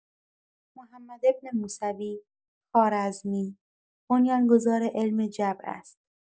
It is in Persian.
محمد بن موسی خوارزمی بنیان‌گذار علم جبر است.